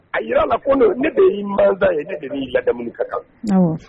A yɔrɔ ko ne de y'i ma ye ne de y'i ladamu ka kan